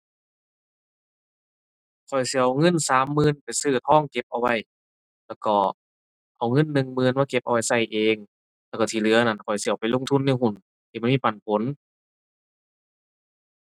ข้อยสิเอาเงินสามหมื่นไปซื้อทองเก็บเอาไว้ แล้วก็เอาเงินหนึ่งหมื่นมาเก็บเอาไว้ใช้เอง แล้วใช้ที่เหลือนั่นข้อยสิเอาไปลงทุนในหุ้น ที่มันมีปันผล